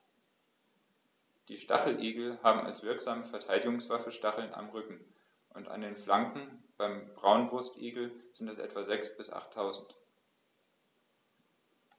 Die Stacheligel haben als wirksame Verteidigungswaffe Stacheln am Rücken und an den Flanken (beim Braunbrustigel sind es etwa sechs- bis achttausend).